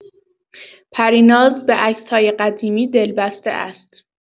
پریناز به عکس‌های قدیمی دل‌بسته است.